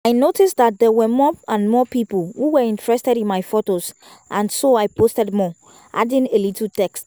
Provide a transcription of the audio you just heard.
I noticed that there were more and more people who were interested in my photos and so I posted more, adding a little text.